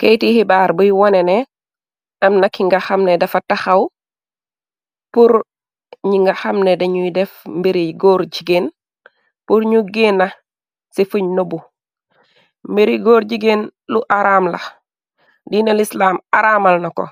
Keyiti hibaar buy wone ne amna ki nga xamne dafa taxaw pur ñi nga xamne dañuy def mbiri góor jigeen, pur ñu geena ci fuñ nobu, mbiri góor jigeen lu araam la, dina Lislaam araamal na ko,